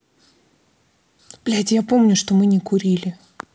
блядь я помню что мы не kurili